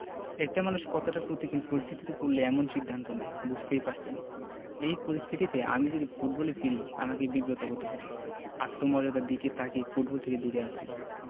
একটা মানুষ কতটা প্রতিকূল পরিস্থিতিতে পড়লে এমন সিদ্ধান্ত নেয় বুঝতেই পারছেন এই পরিস্থিতিতে আমি যদি ফুটবলে ফিরি আমাকে বিব্রত হতে হবে আত্মমর্যাদার দিকে তাকিয়ে ফুটবল থেকে দূরে আছি